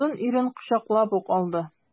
Хатын ирен кочаклап ук алды.